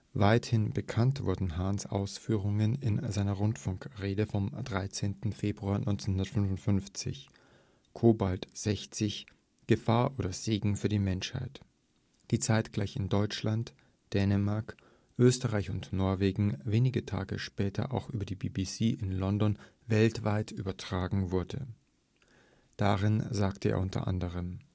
Weithin bekannt wurden Hahns Ausführungen in seiner Rundfunk-Rede vom 13. Februar 1955 „ Cobalt 60 – Gefahr oder Segen für die Menschheit? “, die zeitgleich in Deutschland, Dänemark, Österreich und Norwegen, wenige Tage später auch über die BBC in London weltweit übertragen wurde. Darin sagte er unter anderem